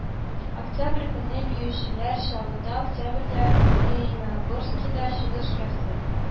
Октябрь көнне биючеләр чаллыда, октябрьдә лениногорскида чыгыш ясый